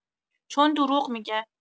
چون دروغ می‌گه